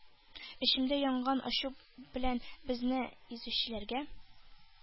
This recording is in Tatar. Эчемдә янган ачу белән безне изүчеләргә